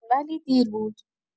ولی دیر بود.